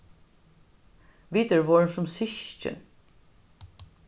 vit eru vorðin sum systkin